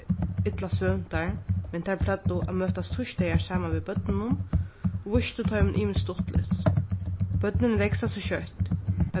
illa svøvntar men tær plagdu at møtast týsdagar saman við børnunum og vístu teimum ymiskt stuttligt børnini vaksa so skjótt